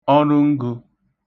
ọrụngō